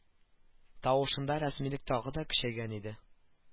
Тавышында рәсмилек тагы да көчәйгән иде